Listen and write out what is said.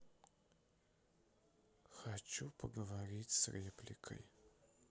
хочу поговорить с репликой